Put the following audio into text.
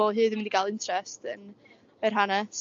o hyd yn mynd yn mynd i ga'l interest yn yr hanes